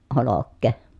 olkea